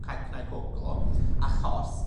c'au cnau coco, achos